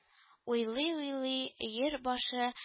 Уйлый-уйлый Өер башы